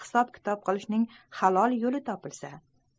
hisob kitob qilishning halol yo'li topilsa